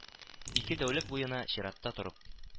Ике тәүлек буена чиратта торып